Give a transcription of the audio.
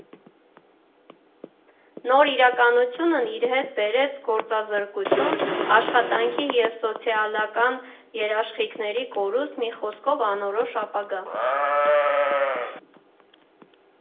Նոր իրականությունն իր հետ բերեց գործազրկություն, աշխատանքի և սոցիալական երաշխիքների կորուստ, մի խոսքով, անորոշ ապագա։